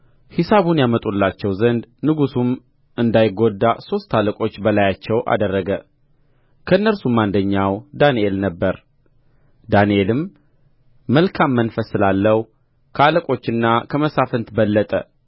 ሒሳቡን ያመጡላቸው ዘንድ ንጉሡም እንዳይጐዳ ሦስት አለቆች በላያቸው አደረገ ከእነርሱም አንደኛው ዳንኤል ነበረ ዳንኤልም መልካም መንፈስ ስላለው ከአለቆችና ከመሳፍንት በለጠ